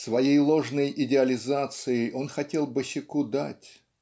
Своей ложной идеализацией он хотел босяку дать